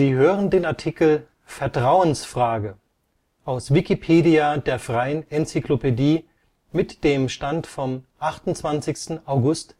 hören den Artikel Vertrauensfrage, aus Wikipedia, der freien Enzyklopädie. Mit dem Stand vom Der